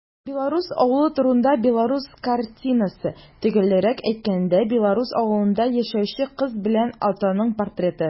Белорус авылы турында белорус картинасы - төгәлрәк әйткәндә, белорус авылында яшәүче кыз белән атаның портреты.